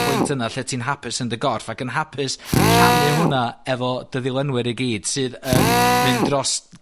pwynt yna lle ti'n hapus yn dy gorff ac yn hapus rhannu hwnna efo dy ddilenwyr i gyd sydd yn mynd dros